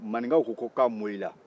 maninkaw ko k'a moyira